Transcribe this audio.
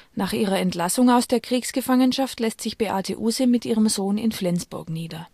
Nach ihrer Entlassung aus der Kriegsgefangenschaft lässt sich Beate Uhse mit ihrem Sohn in Flensburg nieder